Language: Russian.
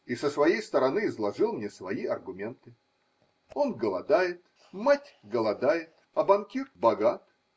И со своей стороны изложил мне свои аргументы. Он голодает, мать голодает. А банкир богат.